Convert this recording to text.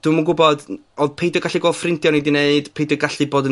dw'm yn gwbod, m- odd peidio gallu gwel' ffrindia o'n i 'di neud, peidio gallu bod yn